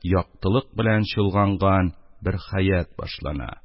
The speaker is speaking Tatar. Яктылык белән чолганган бер хәят башлана